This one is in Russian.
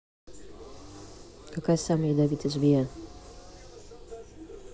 какая самая ядовитая змея